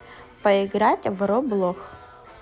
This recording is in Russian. поиграть в roblox